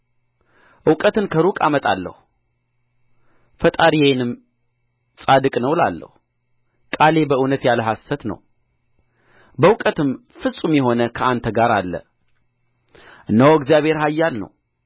እውቀቴን ከሩቅ አመጣለሁ ፈጣሪዬንም ጻድቅ ነው እላለሁ ቃሌ በእውነት ያለ ሐሰት ነው በእውቀትም ፍጹም የሆነ ከአንተ ጋር አለ እነሆ እግዚአብሔር ኃያል ነው